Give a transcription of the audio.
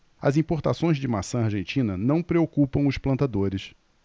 as importações de maçã argentina não preocupam os plantadores